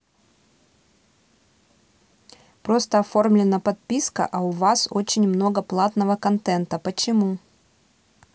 просто оформлена подписка а у вас очень много платного контента почему